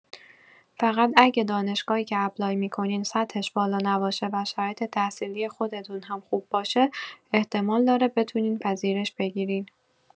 فقط اگه دانشگاهی که اپلای می‌کنین سطحش بالا نباشه و شرایط تحصیلی خودتون هم خوب باشه احتمال داره بتونین پذیرش بگیرین